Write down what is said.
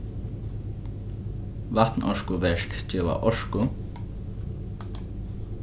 vatnorkuverk geva orku